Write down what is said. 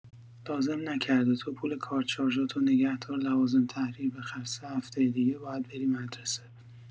لازم نکرده تو پول کارت شارژاتو نگه‌دار لوازم تحریر بخر ۳ هفته دیگه باید بری مدرسه